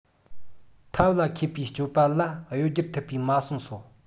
ཐབས ལ མཁས པའི སྤྱོད པ ལ གཡོ སྒྱུར ཐུབ པས མ གསུངས སོ